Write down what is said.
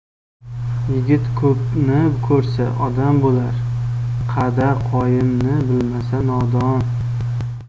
yigit ko'pni ko'rsa odam bo'lar qa'da qoyimni bilmasa nodon